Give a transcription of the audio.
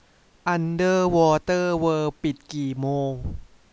อันเดอร์วอเตอร์เวิล์ดปิดกี่โมง